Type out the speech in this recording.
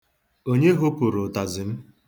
Onye hopụrụ ụtazị m?